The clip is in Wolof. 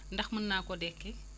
ndax mën naa ko deqi